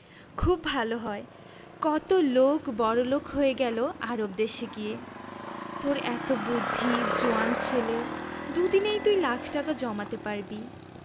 খুব ভালো হয় কত লোক বড়লোক হয়ে গেল আরব দেশে গিয়ে তোর এত বুদ্ধি জোয়ান ছেলে দুদিনেই তুই লাখ টাকা জমাতে পারবি